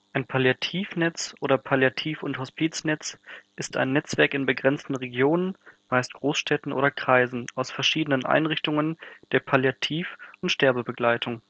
Palliativnetz oder Palliativ - und Hospiznetz ist ein Netzwerk in begrenzten Regionen (meist Großstädten oder Kreisen) aus verschiedenen Einrichtungen der Palliativ - und Sterbebegleitung